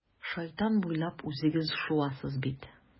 Шайтан буйлап үзегез шуасыз бит.